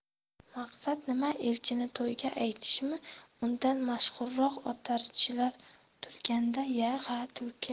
maqsad nima elchinni to'yga aytishmi undan mashhurroq otarchilar turganda ya ha tulki